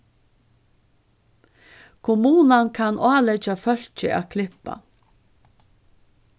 kommunan kann áleggja fólki at klippa